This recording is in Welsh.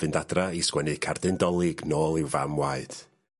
... fynd adra i sgwennu cardyn 'Dolig nôl i'w fam waed.